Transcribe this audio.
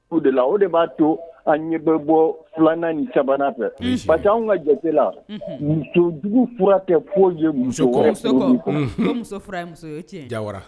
O de la o de b'a to an ɲɛ bɛ bɔ filanan ni caman fɛ ba anw ka jate la musojugu fura kɛ fɔ ye muso jawayara